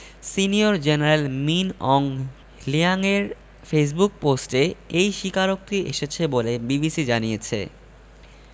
senior general Min Aung হ্লিয়াংয়ের Facebook পোস্টে এই স্বীকারোক্তি এসেছে বলে বিবিসি জানিয়েছে